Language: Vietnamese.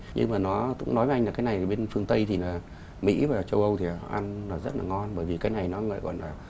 nhưng mà nó cũng nói với anh là cái này bên phương tây thì là mỹ và châu âu thì là đều ăn rất ngon bởi vì cái này nó lại gọi là